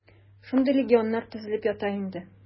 Шундый легионнар төзелеп ята инде.